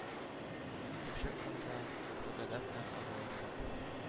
Икенче урында Благодатная авылыннан